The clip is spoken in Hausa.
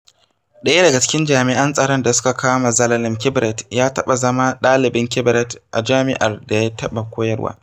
ɗaya daga cikin jami'an tsaron da suka kama Zelalem Kibret ya taɓa zama ɗalibin Kibret a jami'ar da ya taɓa koyarwa.